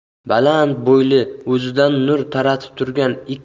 baland bo'yli o'zidan nur taratib turgan